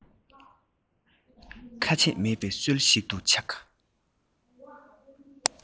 ཁ ཆད མེད པའི སྲོལ ཞིག ཏུ ཆགས